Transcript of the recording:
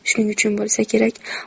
shuning uchun bo'lsa kerak